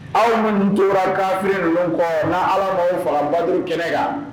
Aw minnu tora kafiri ninnu kɔ, n'a Ala m'aw faga baduru kɛnɛ kan